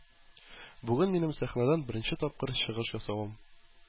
Бүген минем сәхнәдән беренче тапкыр чыгыш ясавым.